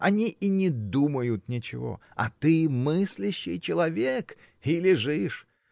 они и не думают ничего, а ты мыслящий человек -- и лежишь